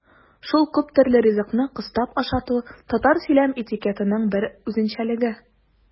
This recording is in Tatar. Шул күптөрле ризыкны кыстап ашату татар сөйләм этикетының бер үзенчәлеге.